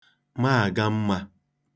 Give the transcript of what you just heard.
maàga mmā